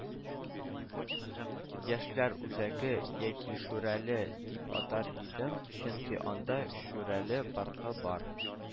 - “яшьләр үзәге”, яки “шүрәле” дип атар идем, чөнки анда “шүрәле” паркы бар